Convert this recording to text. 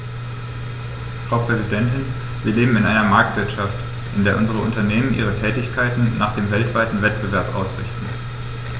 Frau Präsidentin, wir leben in einer Marktwirtschaft, in der unsere Unternehmen ihre Tätigkeiten nach dem weltweiten Wettbewerb ausrichten.